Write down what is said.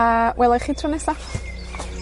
A, welai chi tro nesaf.